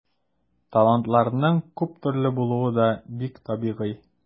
Талантларның күп төрле булуы да бик табигый.